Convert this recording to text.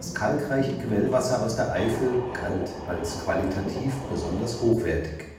kalkreiche Quellwasser aus der Eifel galt als qualitativ besonders hochwertig